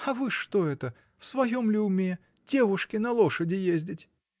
— А вы что это, в своем ли уме: девушке на лошади ездить!